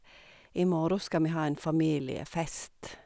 I morgen skal vi ha en familiefest.